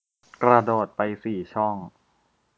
กระโดดไปสี่ช่อง